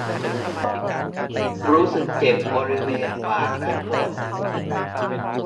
รู้สึกเจ็บบริเวณปากด้านบน